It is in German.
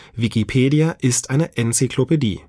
Wikipedia ist eine Enzyklopädie